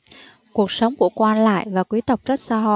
cuộc sống của quan lại và quý tộc rất xa hoa